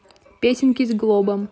песенки с глобом